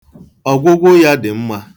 Ọgwụgwụ ya dị mma.